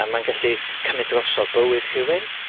A ma'n gallu cymyd drosodd bywyd rhywun.